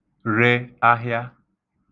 re ahịa